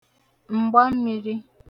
mgbamīrī